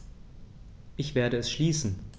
Ich werde es schließen.